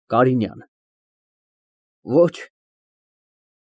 ԿԱՐԻՆՅԱՆ ֊ Ոչ։